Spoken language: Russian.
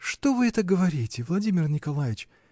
-- Что вы это говорите, Владимир Николаич!